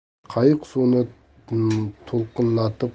qayiq suvni to'lqinlatib